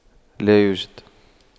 لا يوجد